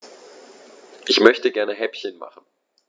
Ich möchte gerne Häppchen machen.